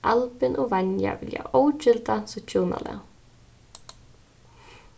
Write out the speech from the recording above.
albin og vanja vilja ógilda sítt hjúnalag